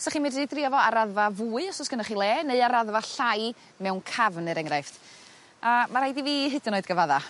'Sach chi'n medru drio fo ar raddfa fwy os o's gynnoch chi le neu ar raddfa llai mewn cafn er enghraifft. A ma' raid i fi hyd yn oed gyfadda